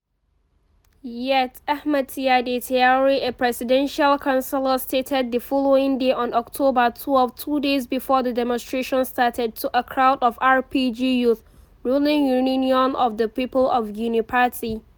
Yet, Ahmed Tidiane Traoré, a presidential counselor, stated the following day on October 12, —two days before the demonstrations started, — to a crowd of RPG youth [ruling Reunion of the People of Guinea party]: